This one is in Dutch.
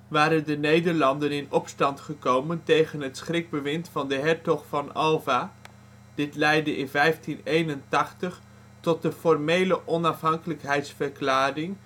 waren de Nederlanden in opstand gekomen tegen het schrikbewind van de hertog van Alva. Dit leidde in 1581 tot de formele onafhankelijkheidsverklaring